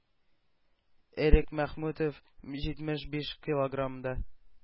Эрик Мәхмүтов җитмеш биш килограммда